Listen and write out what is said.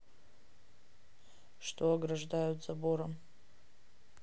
что ограждают забором